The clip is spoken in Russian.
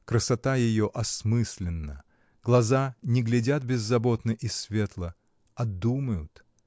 Красота ее осмысленна, глаза не глядят беззаботно и светло, а думают.